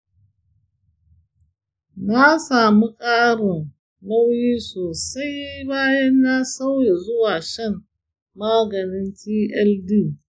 na samu ƙarin nauyi sosai bayan na sauya zuwa shan maganin tld.